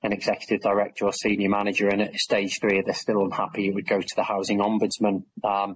an executive director or senior manager. And at a stage three, if they're still unhappy it would go to the housing ombudsman erm,